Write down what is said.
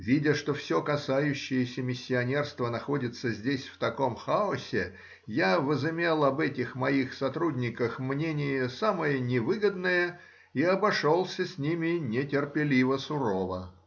Видя, что все, касающееся миссионерства, находится здесь в таком хаосе, я возымел об этих моих сотрудниках мнение самое невыгодное и обошелся с ними нетерпеливо сурово.